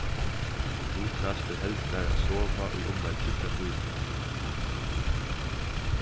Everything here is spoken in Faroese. lukas fer helst bara at sova í umleið tríggjar tímar